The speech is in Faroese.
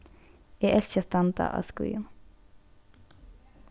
eg elski at standa á skíðum